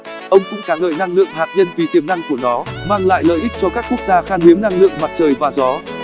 ông cũng ca ngợi năng lượng hạt nhân vì tiềm năng của nó mang lại lợi ích cho các quốc gia khan hiếm năng lượng mặt trời và gió